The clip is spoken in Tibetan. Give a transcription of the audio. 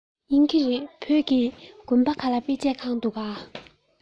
ཡིན གྱི རེད བོད ཀྱི དགོན པ ཁག ལ དཔེ ཆས ཁེངས འདུག ག